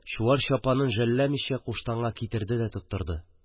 Чуар чапанын жәлләмичә куштанга китерде дә тоттырды